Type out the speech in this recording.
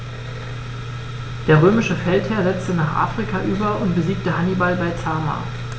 Der römische Feldherr setzte nach Afrika über und besiegte Hannibal bei Zama.